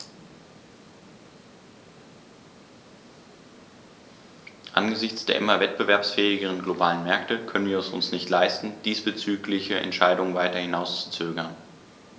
Angesichts der immer wettbewerbsfähigeren globalen Märkte können wir es uns nicht leisten, diesbezügliche Entscheidungen weiter hinauszuzögern.